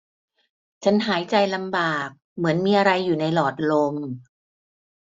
ฉันหายใจลำบากเหมือนมีอะไรอยู่ในหลอดลม